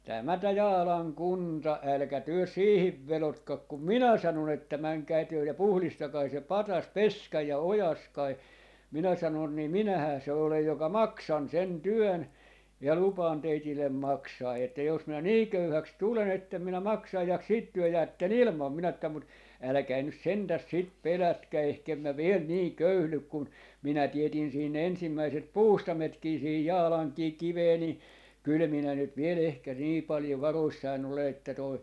tämä tämä Jaalan kunta älkää työ siihen vedotko kun minä sanon että menkää te ja puhdistakaa se patsas peskää ja oikaiskaa minä sanoin niin minähän se olen joka maksan sen työn ja lupaan teille maksaa että jos minä niin köyhäksi tulen että en minä maksa ja sitten te jäätte ilman minä että mutta älkää nyt sentään sitä pelätkö ehkä en minä vielä niin köyhdy kun minä teetin siinä ensimmäiset puustaimetkin siihen Jaalankin kiveen niin kyllä minä nyt vielä ehkä niin paljon varoissani olen että tuo